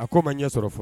A ko ma ɲɛ sɔrɔ fɔlɔ